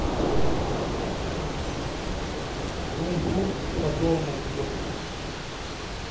рум тур по дому в